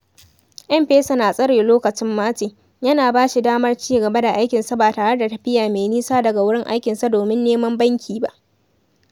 M-PESA na tsare lokacin Martin, yana ba shi damar ci gaba da aikin sa ba tare da tafiya mai nisa daga wurin aikinsa domin neman banki ba.